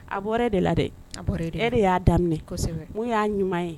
A bɔra de la dɛ a e de y'a daminɛ y'a ɲuman ye